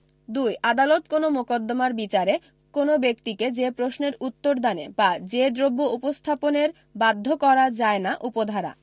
২ আদালত কোন মোকদ্দমার বিচারে কোন ব্যক্তিকে যে প্রশ্নের উত্তরদানে বা যে দ্রব্য উপস্থাপনের বাধ্য করা যায় না উপ ধারা